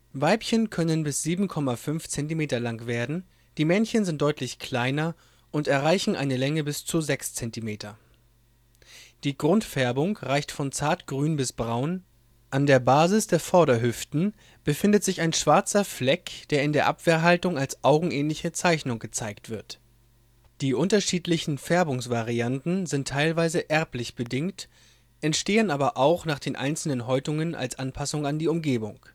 Weibchen können bis 7,5 cm lang werden, die Männchen sind deutlich kleiner und erreichen eine Länge bis zu 6 cm. Die Grundfärbung reicht von zartgrün bis braun, an der Basis der Vorderhüften befindet sich ein schwarzer Fleck, der in der Abwehrhaltung als augenähnliche Zeichnung gezeigt wird (Mimikry). Die unterschiedlichen Färbungsvarianten sind teilweise erblich bedingt, entstehen aber auch nach den einzelnen Häutungen als Anpassung an die Umgebung